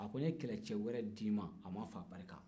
a ko n ye kɛlɛcɛ wɛrɛ d'i ma a ma fɔ a barika